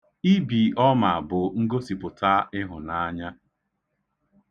Ibi ọma bụ ngosipụta ihunaanya.